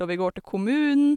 Og vi går til kommunen.